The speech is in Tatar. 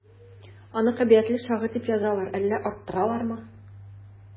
Аны кабилиятле шагыйрь дип язалар, әллә арттыралармы?